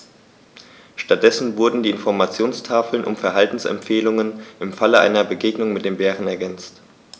Stattdessen wurden die Informationstafeln um Verhaltensempfehlungen im Falle einer Begegnung mit dem Bären ergänzt.